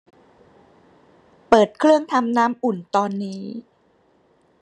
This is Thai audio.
เปิดเครื่องทำน้ำอุ่นตอนนี้